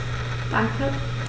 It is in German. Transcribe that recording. Danke.